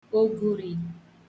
ògùrì